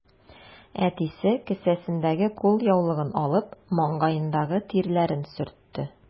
Әтисе, кесәсендәге кулъяулыгын алып, маңгаендагы тирләрен сөртте.